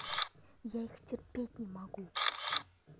я их терпеть не могу